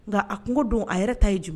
Nka a kungo don a yɛrɛ ta y'i jumɛn